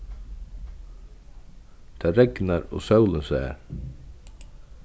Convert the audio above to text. tað regnar og sólin sær